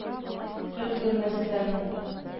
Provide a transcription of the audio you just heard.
Өлгермәстән